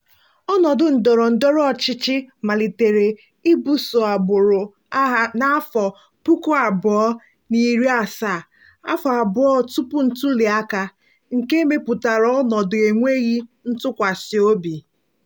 Ọnọdụ ndọrọndọrọ ọchịchị malitere ibuso agbụrụ agha n'afọ 2017, afọ abụọ tụpụ ntuliaka, nke mepụtara ọnọdụ enweghị ntụkwasị obi.